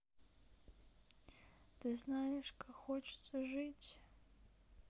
ты знаешь как хочется жить